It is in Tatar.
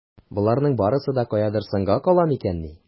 Боларның барсы да каядыр соңга кала микәнни?